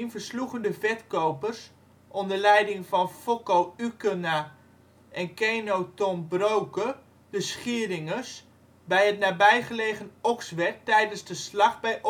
versloegen de Vetkopers onder leiding van Focko Ukena en Keno tom Broke de Schieringers bij het nabijgelegen Okswerd tijdens de Slag bij